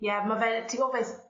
Ie ma' fe ti gwbo beth